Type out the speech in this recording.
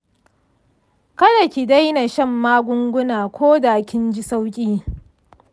kada ki daina shan magunguna ko da kin ji sauƙi.